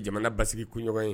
Jamana basisigi kunɲɔgɔn ye